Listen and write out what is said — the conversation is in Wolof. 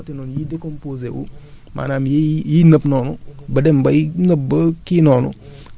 suuf sa fa nekk parce que liñ fay sotti noonu yiy décomposer wu maanaam yiy yiy nëb noonu